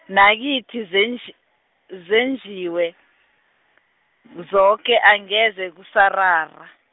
nakithi zenji- zenjiwe, zoke angeze kusarara.